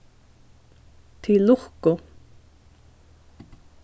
til lukku